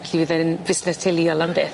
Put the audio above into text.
Felly fydd e'n fusnes teuluol am byth?